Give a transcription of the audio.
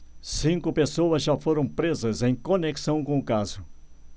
cinco pessoas já foram presas em conexão com o caso